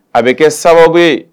A bɛ kɛ sababu bɛ